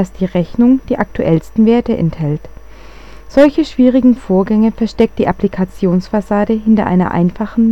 die Rechnung die aktuellsten Werte enthält. Solche schwierigen Vorgänge versteckt die Applikations-Fassade hinter einer einfachen Methodenschnittstelle